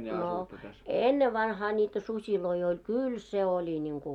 no ennen vanhaan niitä susia oli kyllä se oli niin kuin